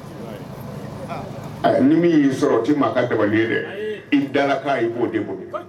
Ni min y'i sɔrɔ ji maa ka dɔgɔnin dɛ i da b'o de koyi